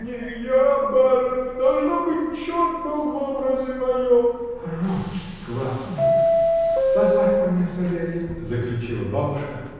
— Не я, барыня, должно быть, черт был во образе моем. — Прочь с глаз моих! Позвать ко мне Савелья! — заключила бабушка.